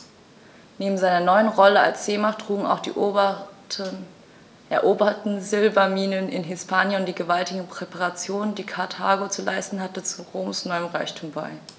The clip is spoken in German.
Neben seiner neuen Rolle als Seemacht trugen auch die eroberten Silberminen in Hispanien und die gewaltigen Reparationen, die Karthago zu leisten hatte, zu Roms neuem Reichtum bei.